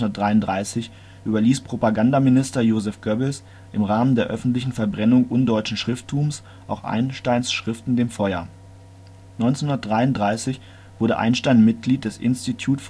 1933 überließ Propagandaminister Joseph Goebbels im Rahmen der „ öffentlichen Verbrennung undeutschen Schrifttums “auch Einsteins Schriften dem Feuer. 1933 wurde Einstein Mitglied des Institute